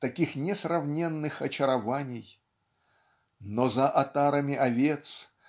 таких несравненных очарований. Но за отарами овец